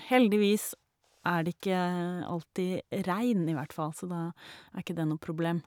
Heldigvis er det ikke alltid regn, i hvert fall, så da er ikke det noe problem.